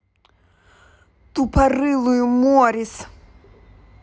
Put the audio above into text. тупорылую морис